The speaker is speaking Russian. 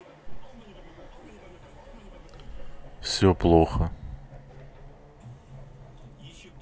все плохо